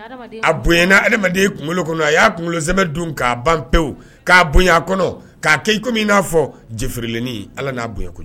A bon adamaden kunkolo kɔnɔ a y'a kunkolomɛ dun k'a ban pewu k'a bo kɔnɔ k'a kɛ i i n'a fɔ cɛfarileninin ala na bo